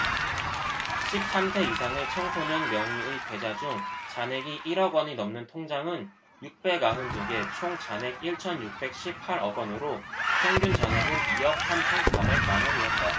십 삼 세 이상의 청소년 명의의 계좌 중 잔액이 일 억원이 넘는 통장은 육백 아흔 두 개 총 잔액 일 천 육백 십 팔 억원으로 평균 잔액은 이 억 삼 천 사백 만원이었다